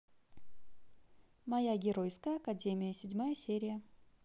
моя геройская академия седьмая серия